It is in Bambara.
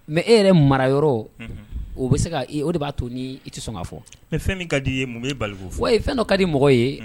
Mɛ e yɛrɛ mara yɔrɔ o bɛ se o de b'a to ni i tɛ sɔn ka fɔ fɛn ka di i ye mun yebugu fɔ ye fɛn dɔ ka di mɔgɔ ye